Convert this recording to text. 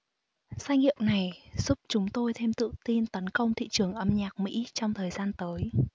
danh hiệu này giúp chúng tôi thêm tự tin tấn công thị trường âm nhạc mỹ trong thời gian tới